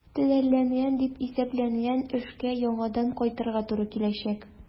Төгәлләнгән дип исәпләнгән эшкә яңадан кайтырга туры киләчәк.